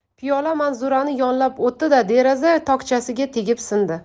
piyola manzurani yonlab o'tdi da deraza tokchasiga tegib sindi